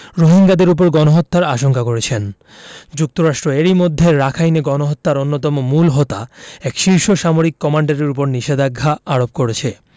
রোহিঙ্গাদের ওপর গণহত্যার আশঙ্কা করেছেন যুক্তরাষ্ট্র এরই মধ্যে রাখাইনে গণহত্যার অন্যতম মূল হোতা এক শীর্ষ সামরিক কমান্ডারের ওপর নিষেধাজ্ঞা আরোপ করেছে